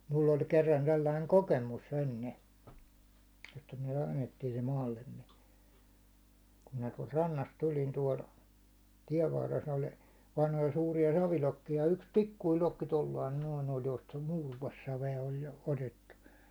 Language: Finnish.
minulla oli kerran sellainen kokemus ennen että me kannettiin se maallemme kun minä tuolta rannasta tulin tuolla tien varressa oli vanhoja suuria savilokkeja ja yksi pikkuinen lokki tuolla lailla noin oli josta muuroossavea oli jo otettu